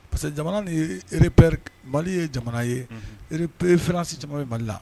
Parce que jamana ni yerep mali ye jamana yep fransi caman ye mali la